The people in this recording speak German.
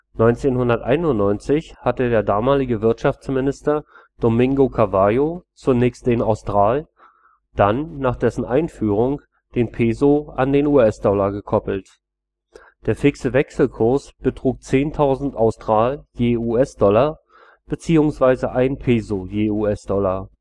1991 hatte der damalige Wirtschaftsminister Domingo Cavallo zunächst den Austral, dann, nach dessen Einführung, den Peso an den US-Dollar gekoppelt. Der fixe Wechselkurs betrug 10.000 Austral je US-Dollar bzw. 1 Peso je US-Dollar